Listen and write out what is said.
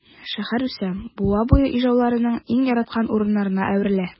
Шәһәр үсә, буа буе ижауларның иң яраткан урынына әверелә.